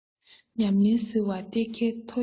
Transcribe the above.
ཉམས ལེན ཟེར བ གཏེར ཁའི ཐོ ཡིག འདྲ